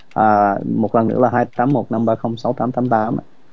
à một lần nữa là hai tám một năm ba không sáu tám tám tám